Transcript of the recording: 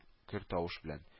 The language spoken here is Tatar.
Көр тавыш белән: